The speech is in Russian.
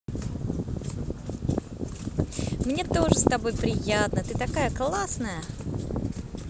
мне тоже с тобой приятно ты такая классная